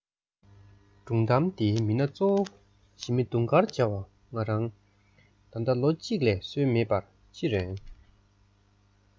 སྒྲུང གཏམ འདིའི མི སྣ གཙོ བོ ཞི མི དུང དཀར བྱ བ ང རང ད ལྟ ལོ གཅིག ལས སོན མེད པར འཆི རན